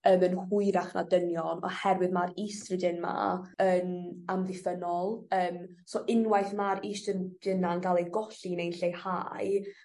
yym yn hwyrach na dynion oherwydd ma'r estrogen 'ma yn amddiffynnol yym so unwaith ma'r estron-gen 'na'n ga'l ei golli neu'n lleihau